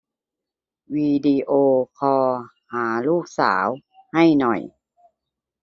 วิดีโอคอลหาลูกสาวให้หน่อย